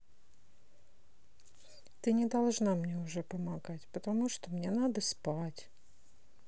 ты не должна мне уже помогать потому что мне надо спать